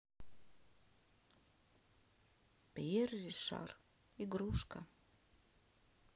пьер ришар игрушка